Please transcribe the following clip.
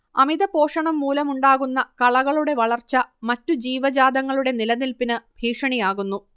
അമിതപോഷണം മൂലമുണ്ടാകുന്ന കളകളുടെ വളർച്ച മറ്റുജീവജാതങ്ങളുടെ നിലനിൽപിന് ഭീഷണിയാകുന്നു